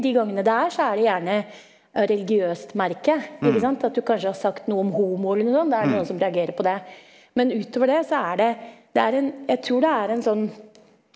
de gangene det er så er det gjerne av religiøst merke, ikke sant at du kanskje har sagt noe om homo eller noe sånn, da er det noen som reagerer på det, men utover det så er det det er en jeg tror det er en sånn.